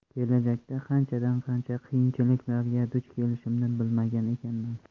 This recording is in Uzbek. kelajakda qanchadan qancha qiyinchiliklarga duch kelishimni bilmagan ekanman